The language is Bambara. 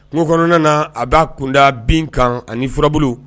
Kungo kɔnɔna na a b'a kunda bin kan ani furabulu